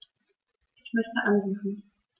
Ich möchte anrufen.